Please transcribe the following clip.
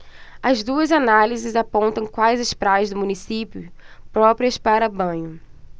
as duas análises apontam quais as praias do município próprias para banho